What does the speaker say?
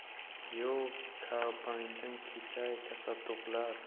yo tavbangdan ketay tasadduqlar